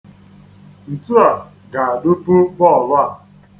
Ntu a ga-adụpu bọọlụ a.